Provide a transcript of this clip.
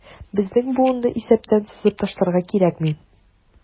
Безнең буынны исәптән сызып ташларга кирәкми.